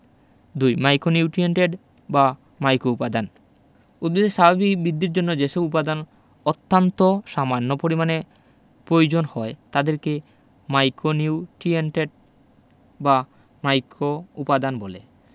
২ মাইকোনিউটিয়েন্টএট বা মাইকোউপাদান উদ্ভিদের স্বাভাবিক বিদ্ধির জন্য যেসব উপাদান অত্যান্ত সামান্য পরিমাণে পয়োজন হয় তাদেরকে মাইকোনিউটিয়েন্টএট বা মাইকোউপাদান বলে